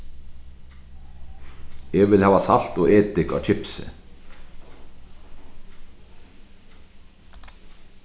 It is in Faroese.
eg vil hava salt og edik á kipsið